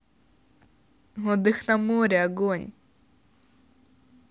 отдых на море огонь